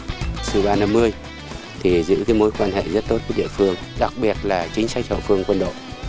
sư ba năm mươi thì giữ cái mối quan hệ rất tốt với địa phương đặc biệt là chính sách hậu phương quân đội